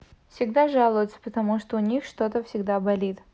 всегда жалуются потому что у них что то всегда болит